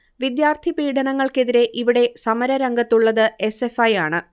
വിദ്യാർത്ഥി പീഡനങ്ങൾക്കെതിരെ ഇവിടെ സമര രംഗത്തുള്ളത് എസ്. എഫ്. ഐ യാണ്